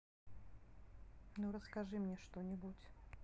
ну расскажи мне что нибудь